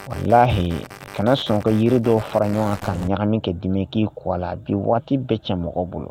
Walayi kana sɔn n ka jiri dɔw fara ɲɔgɔn ka ɲagami k'a d'i ma i k'i ko a la, a bi waati bɛɛ cɛn mɔgɔ bolo